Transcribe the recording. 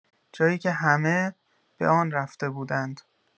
جایی که همه به آن رفته بودند.